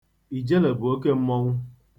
Ijele bụ oke mmọnwụ.